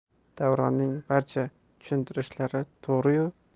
davronning barcha tushuntirishlari to'g'ri